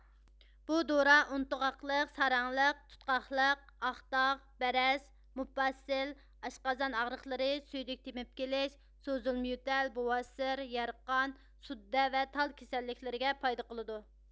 بۇ دورا ئۇنتۇغاقلىق ساراڭلىق تۇتقاقلىق ئاق داغ بەرەس مۇپاسىل ئاشقازان ئاغرىقلىرى سۈيدۈك تېمىپ كېلىش سوزۇلما يۆتەل بوۋاسىر يەرقان سۇددە ۋە تال كېسەللىكلىرىگە پايدا قىلىدۇ